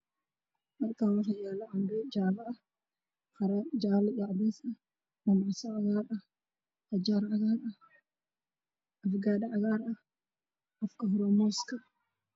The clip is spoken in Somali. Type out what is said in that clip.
Bishaan waxaa yaaluuqdaa kala duwan oo kala nooca qaro bocor iyo aan salato iyo basal